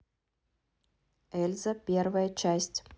эльза первая часть